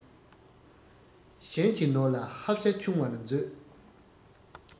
གཞན གྱི ནོར ལ ཧབ ཤ ཆུང བར མཛོད